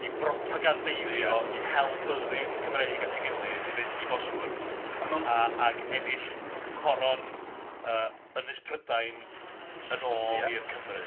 ..i propogandeiddio i hel byddin Cymreig at ei gilydd i fynd i Bosworth a... ag ennill coron yy Ynys Prydain yn ôl i'r Cymry.